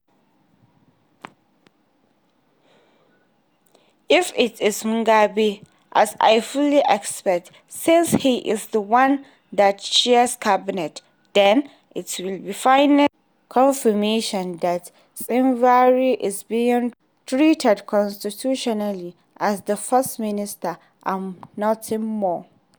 If it is Mugabe, as I fully expect, since he is the one that Chairs cabinet, then it will be final confirmation that Tsvangirai is being treated constitutionally as the First Minister and nothing more.